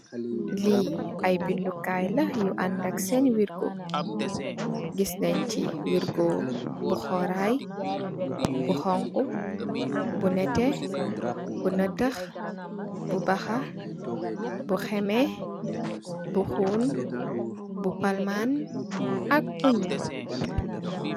Li ay bindu kai yu anda ak sèèni wirgo, gis nen ci wirgo bu xoray , bu xonxu, bu netteh , bu natax, bu baxa, bu xemeh, bu xuun, bu palman ak bu ñuul.